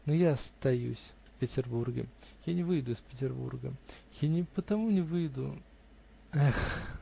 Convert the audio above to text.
Но я остаюсь в Петербурге; я не выеду из Петербурга! Я потому не выеду. Эх!